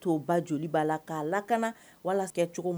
'a la k'a la cogo